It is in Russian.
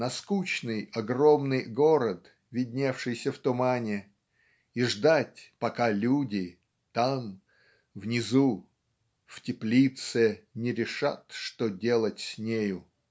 на скучный огромный город видневшийся в тумане и ждать пока люди там внизу в теплице не решат что делать с нею".